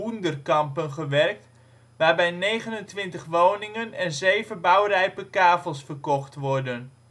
Hoenderkampen gewerkt, waarbij 29 woningen en 7 bouwrijpe kavels verkocht worden